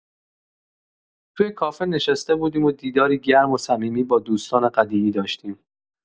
توی کافه نشسته بودیم و دیداری گرم و صمیمی با دوستان قدیمی داشتیم.